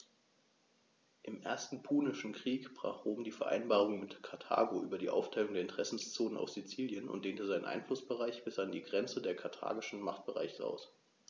Im Ersten Punischen Krieg brach Rom die Vereinbarung mit Karthago über die Aufteilung der Interessenzonen auf Sizilien und dehnte seinen Einflussbereich bis an die Grenze des karthagischen Machtbereichs aus.